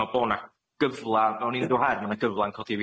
me'wl bo' 'na gyfla mewn unryw her ma' 'na gyfla'n codi